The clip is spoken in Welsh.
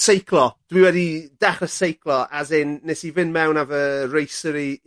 seiclo. Dwi wedi dechre seiclo as in nes i fyn' mewn â fy racer i